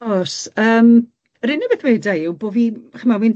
O's. Yym yr unig beth weda i yw bo' fi ch'mo', wi'n